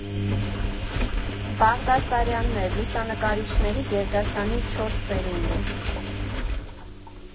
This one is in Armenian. Բաղդասարյաններ՝ լուսանկարիչների գերդաստանի չորս սերունդը։